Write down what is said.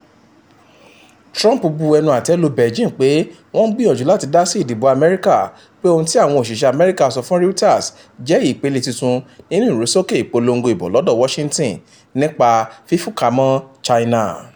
Trump bu ẹnu àtẹ́lu Beijing pé wọ́n ń gbìyànjù láti dásí ìdìbò U.S pé ohun tí àwọn òsìsẹ́ U.S sọ fun Reuters jẹ́ ìpele tuntun nínú ìrúsókè ìpòlongo ìbò lọ́dọ Washington nípa fífúnkamọ́ China.